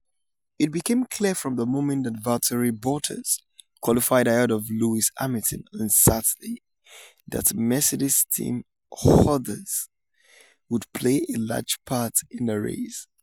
It became clear from the moment that Valtteri Bottas qualified ahead of Lewis Hamilton on Saturday that Mercedes" team orders would play a large part in the race.